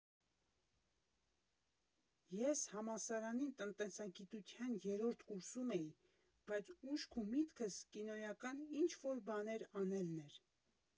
Ես համալսարանի տնտեսագիտության երրորդ կուրսում էի, բայց ուշք ու միտքս կինոյական ինչ֊որ բաներ անելն էր։